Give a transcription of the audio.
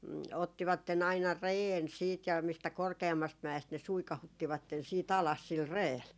ottivat aina reen sitten ja mistä korkeammasta mäestä ne suikauttivat sitten alas sillä reellä